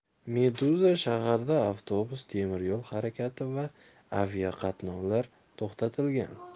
meduzashaharda avtobus temiryo'l harakati va aviaqatnovlar to'xtatilgan